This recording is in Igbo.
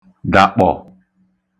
dàkpọ̀